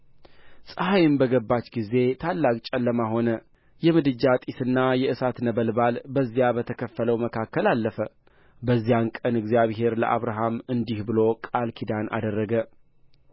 ፀሐይም በገባች ጊዜ ታላቅ ጨለማ ሆነ የምድጃ ጢስና የእሳት ነበልባል በዚያ በተከፈለው መካከል አለፈ በዚያ ቀን እግዚአብሔር ለአብራም እንዲህ ብሎ ቃል ኪዳን አደረገ